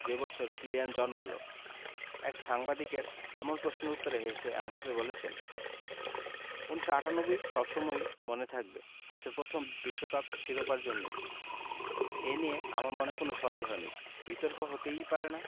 যে বছর কিলিয়ান জন্মাল এক সাংবাদিকের এমন প্রশ্নের উত্তরে হেসে এমবাপ্পে বলেছেন ১৯৯৮ সব সময়ই মনে থাকবে ফ্রান্সের প্রথম বিশ্বকাপ শিরোপার জন্যই এ নিয়ে আমার মনে কোনো সন্দেহ নেই বিতর্ক হতেই পারে না